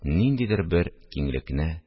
Ниндидер бер киңлекне